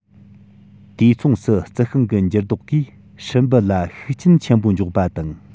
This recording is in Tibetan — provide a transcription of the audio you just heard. དུས མཚུངས སུ རྩི ཤིང གི འགྱུར ལྡོག གིས སྲིན འབུ ལ ཤུགས རྐྱེན ཆེན པོ འཇོག པ དང